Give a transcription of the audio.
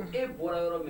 E bɔra yɔrɔ min na